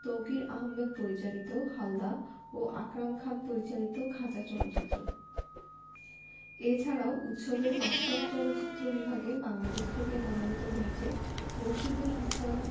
তৌকীর আহমেদ পরিচালিত হালদা ও আকরাম খান পরিচালিত খাঁচা চলচ্চিত্র এছাড়াও উৎসবের মাস্টার চলচ্চিত্র বিভাগে বাংলাদেশ থেকে মনোনীত হয়েছে মোরশেদুল ইসলাম